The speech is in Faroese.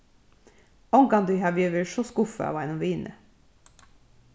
ongantíð havi eg verið so skuffað av einum vini